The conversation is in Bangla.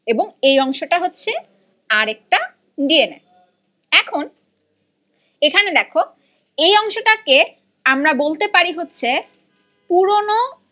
এবং এই অংশট হচ্ছে আরেক টা ডি এন এ এখন এখানে দেখ এই অংশটাকে আমরা বলতে পারি হচ্ছে পুরনো